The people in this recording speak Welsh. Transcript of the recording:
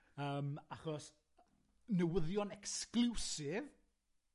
yym achos newyddion exclusive...